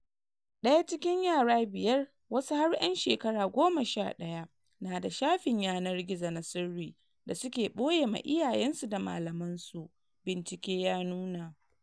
Daya cikin yara biyar - wasu har yan shekara 11 - na da shafin yanar gizo na sirri da suke boyema iyayen su da malaman su, bincike ya nuna